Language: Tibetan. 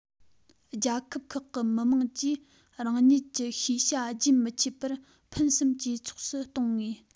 རྒྱལ ཁབ ཁག གི མི དམངས ཀྱིས རང ཉིད ཀྱི ཤེས བྱ རྒྱུན མི འཆད པར ཕུན སུམ ཇེ ཚོགས སུ གཏོང ངེས